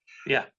Ia.